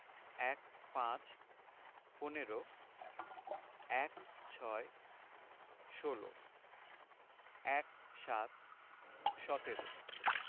১৫ – পনেরো ১৬ - ষোল ১৭ - সতেরো